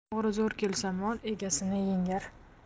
o'g'ri zo'r kelsa mol egasini yengar